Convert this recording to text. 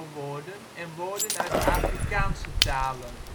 woorden en woorden uit Afrikaanse talen